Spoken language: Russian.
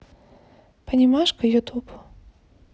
понимашка ютуб